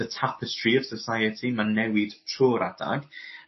the tapestry of society ma'n newid trw'r adag.